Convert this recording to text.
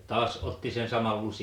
taas otti sen saman -